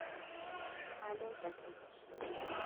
halin takaici ne.”